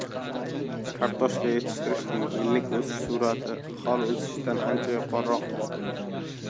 kartoshka yetishtirishning yillik o'sish sur'ati aholi o'sishidan ancha yuqoriroqdir